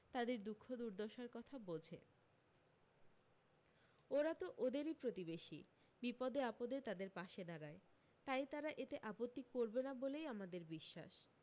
তাদের দুখ দুর্দশার কথা বোঝে ওরা তো ওদেরই প্রতিবেশী বিপদে আপদে তাদের পাশে দাঁড়ায় তাই তারা এতে আপত্তি করবে না বলেই আমাদের বিশ্বাস